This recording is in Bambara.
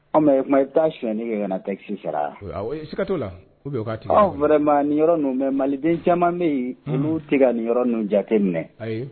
Anw mɛ e kuma i taa sni kɛ tɛ si saraka anw wɛrɛ ma ni yɔrɔ ninnu bɛ maliden caman bɛ yen i'u tigɛ nin yɔrɔ ninnu ja minɛ